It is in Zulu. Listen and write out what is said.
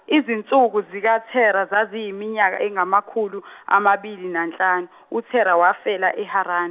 izinsuku zikaThera zaziyiminyaka engamakhulu amabili nanhlanu uThera wafela eHaran-.